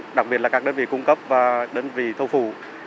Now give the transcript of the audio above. đặc biệt là các đơn vị cung cấp và đơn vị thầu phụ